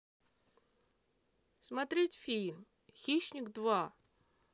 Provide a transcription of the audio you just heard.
смотреть фильм хищник два